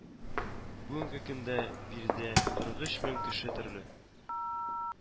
Бүгенге көндә биредә кырык өч мең кеше төрле